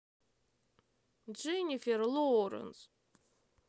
дженифер лоуренс